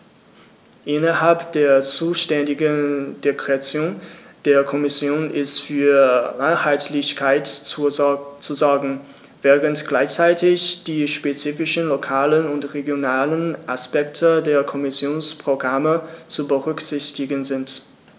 Innerhalb der zuständigen Direktion der Kommission ist für Einheitlichkeit zu sorgen, während gleichzeitig die spezifischen lokalen und regionalen Aspekte der Kommissionsprogramme zu berücksichtigen sind.